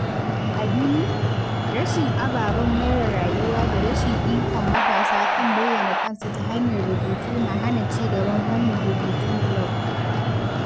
A Guinea, rashin ababen more rayuwa da rashin ikon matasa kan bayyana kansu ta hanyar rubutu na hana cigaban fannin rubutun blog.